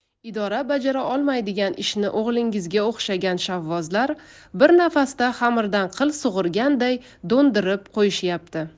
idora bajara olmaydigan ishni o'g'lingizga o'xshagan shovvozlar bir nafasda xamirdan qil sug'urganday do'ndirib qo'yishyapti